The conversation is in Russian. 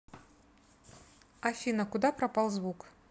афина куда пропал звук